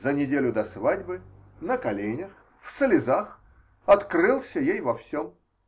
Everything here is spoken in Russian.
За неделю до свадьбы на коленях, в слезах открылся ей во всем.